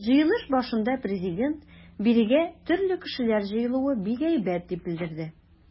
Җыелыш башында Президент: “Бирегә төрле кешеләр җыелуы бик әйбәт", - дип белдерде.